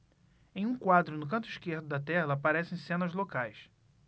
em um quadro no canto esquerdo da tela aparecem cenas locais